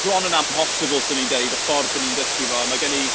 Bron yn amhosibl, 'swn i'n deud, y ffordd 'dan ni'n ddysgu fo, a ma' gen i...